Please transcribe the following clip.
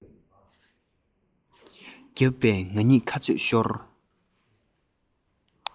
བརྒྱབ པས ང གཉིས ཁ རྩོད ཤོར